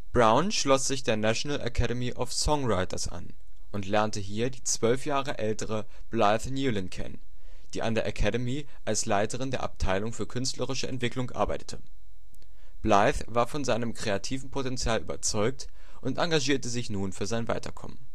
Brown schloss sich der National Academy of Songwriters an und lernte hier die zwölf Jahre ältere Blythe Newlon kennen, die an der Academy als Leiterin der Abteilung für künstlerische Entwicklung arbeitete. Blythe war von seinem kreativen Potential überzeugt und engagierte sich nun für sein Weiterkommen